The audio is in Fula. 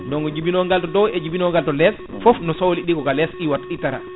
donc jindinogal to dow e jibinogal to less foof no sohli ɗiho gua less iwat ittata